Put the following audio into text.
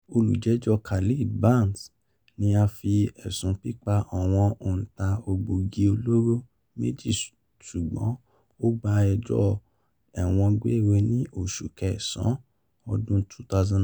Olùjẹ́jọ́ Khalid Barnes, ni a fi ẹ̀sùn pípa àwọn oǹtà egbògi olóró méjì ṣùgbọ́n ó gba ẹjọ́ ẹ̀wọ̀n gbére ní oṣù kẹsàn-án ọdún 2009.